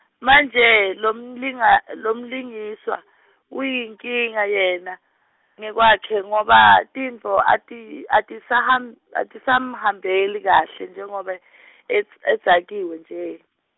manje, lomlinga-, lomlingiswa , uyinkinga yena, ngekwakhe ngoba, tintfo, ati- atisahamb-, atisamhambeli kahle, njengobe , edz-, adzakiwe nje.